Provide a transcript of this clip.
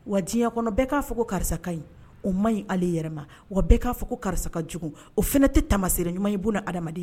Wa diɲɛya kɔnɔ bɛɛ k'a fɔ ko karisa ka ɲi o ma ɲi ale yɛrɛ ma wa bɛɛ k'a fɔ ko karisa ka jugu o f fana tɛ taama se ɲ ye bo ha adamadamaden